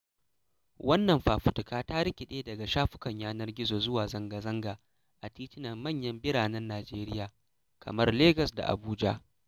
Wannan fafutuka ta rikiɗe daga kan shafukan yanar gizo zuwa zanga-zanga a titinan manyan biranen Nijeriya kamar Legas da Abuja.